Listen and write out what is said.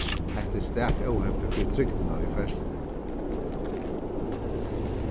hetta er stak óheppið fyri trygdina í ferðsluni